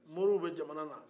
moriw bɛ jamana na